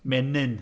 Menyn.